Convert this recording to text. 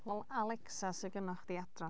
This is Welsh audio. Wel Alexa sy gynna chdi adra.